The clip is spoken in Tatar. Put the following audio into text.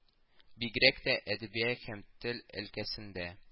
Бигрәк тә, әдәбият һәм тел өлкәсендә